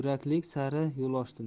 yorug'lik sari yo'l ochdim